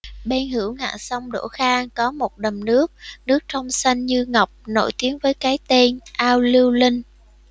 bên hữu ngạn sông đỗ khang có một đầm nước nước trong xanh như ngọc nổi tiếng với cái tên ao lưu linh